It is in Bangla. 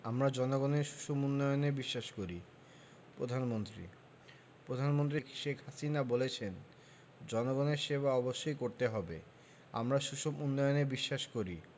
আমরা জনগণের সুষম উন্নয়নে বিশ্বাস করি প্রধানমন্ত্রী প্রধানমন্ত্রী শেখ হাসিনা বলেছেন জনগণের সেবা অবশ্যই করতে হবে আমরা সুষম উন্নয়নে বিশ্বাস করি